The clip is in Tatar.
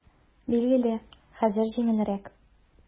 Билгеле, хәзер җиңелрәк.